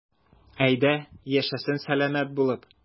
Әйдә, яшәсен сәламәт булып.